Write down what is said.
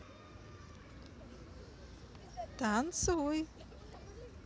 танцуй